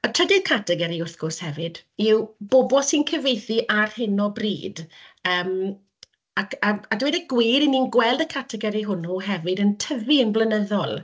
Y trydydd categori, wrth gwrs, hefyd, yw bobl sy'n cyfieithu ar hyn o bryd, yym, ac a a dweud y gwir, ry'n ni'n gweld y categori hwnnw hefyd yn tyfu yn flynyddol